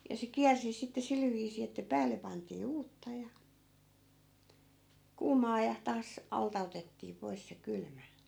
ja se kiersi sitten sillä viisiin että päälle pantiin uutta ja kuumaa ja taas alta otettiin pois se kylmä